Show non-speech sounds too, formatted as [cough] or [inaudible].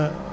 [hesitation] [hesitation]